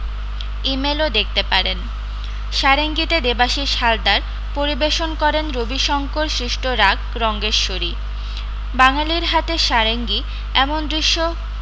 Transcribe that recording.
ই মেলও দেখতে পারেন সারেঙ্গিতে দেবাশিস হালদার পরিবেশন করেন রবিশংকর সৃষ্ট রাগ রঙ্গেশ্বরী বাঙালির হাতে সারেঙ্গি এমন দৃশ্য